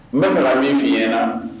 N bɛna min f'i ɲɛna.